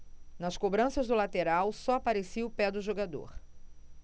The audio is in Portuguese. nas cobranças de lateral só aparecia o pé do jogador